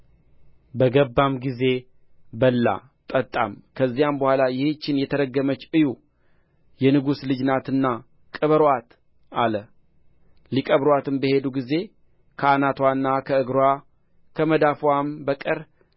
በገባም ጊዜ በላ ጠጣም ከዚያም በኋላ ይህችን የተረገመች እዩ የንጉሥ ልጅ ናትና ቅበሩአት አለ ሊቀብሩአትም በሄዱ ጊዜ ከአናትዋና ከእግርዋ ከመዳፍም በቀር